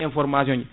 information ji